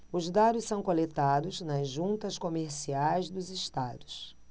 os dados são coletados nas juntas comerciais dos estados